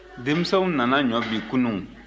denmisɛnw nana ɲɔ bin kunun